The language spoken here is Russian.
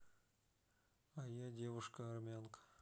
а я девушка армянка